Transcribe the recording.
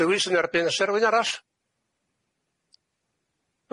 Lewis yn erbyn o's 'na rywun arall?